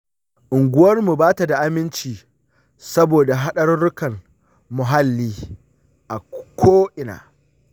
unguwarmu ba ta da aminci saboda haɗarurrukan muhalli a ko ina.